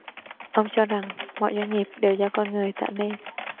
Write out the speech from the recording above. ông cho rằng mọi doanh nghiệp đều do con người tạo nên